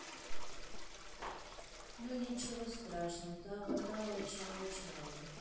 ну ничего страшного таотао чао чао